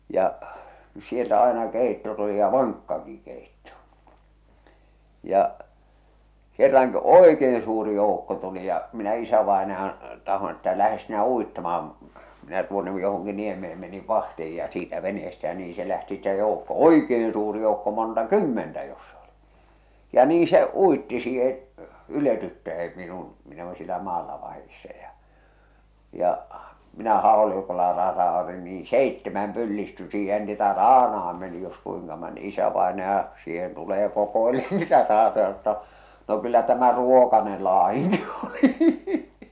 ja sieltä aina keitto tuli ja vankkakin keitto ja kerrankin oikein suuri joukko tuli ja minä isävainajan tahdon että lähde sinä uittamaan minä tuonne johonkin niemeen menin vahtiin ja siitä veneestä ja niin se lähti sitten joukko oikein suuri joukko monta kymmentä jossa oli ja niin se uitti siihen yletyttäin minun minä olin siellä maalla vahdissa ja ja minä haulikolla rasautin niin seitsemän pyllistyi siihen niitä raanaan meni jos kuinka - isävainaja siihen tulee kokeilemaan niitä raatoja sanoi jotta no kyllä tämä ruokainen latinki oli